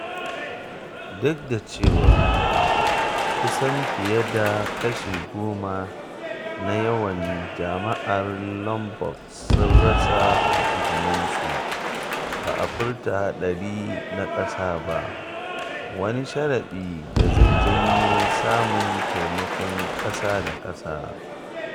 Duk da cewa kusan fiye da kashi 10 na yawan jama’ar Lombok sun rasa matsugunansu, ba a furta hadari na kasa ba, wani sharadi da zai janyo samun taimakon kasa-da-kasa.